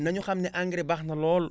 nañu xam ne engrais baax na lool